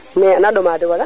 mais ana ɗoma de wala